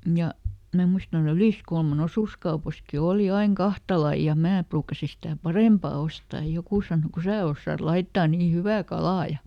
ja minä muistan tuolla Yliskulman osuuskaupassakin oli aina kahta lajia ja minäkin ruukasin sitä parempaa ostaa ja joku sanoi kun sinä osaat laittaa niin hyvää kalaa ja